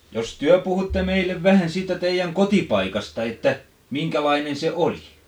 jos te puhutte meille vähän siitä teidän kotipaikasta että minkälainen se oli